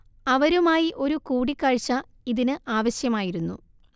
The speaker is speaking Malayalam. അവരുമായി ഒരു കൂടിക്കാഴ്ച ഇതിന് ആവശ്യമായിരുന്നു